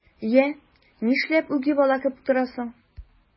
Йә, нишләп үги бала кебек торасың?